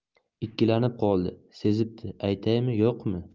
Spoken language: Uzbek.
ikkilanib qoldi sezibdi aytaymi yo'qmi